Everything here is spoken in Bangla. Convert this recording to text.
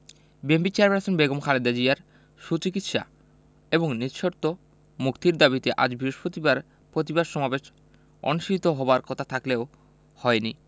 বিএনপি চেয়ারপারসন বেগম খালেদা জিয়ার সুচিকিৎসা এবং নিঃশর্ত মুক্তির দাবিতে আজ বৃহস্পতিবার প্রতিবাদ সমাবেশ অনুষ্ঠিত হবার কথা থাকলেও হয়নি